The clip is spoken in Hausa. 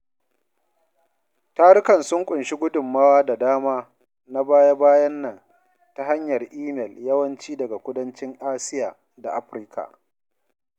Tarukan sun ƙunshi gudunmawa da dama na baya bayan nan ta hanyar imel yawanci daga Kudancin Asia da Afirka.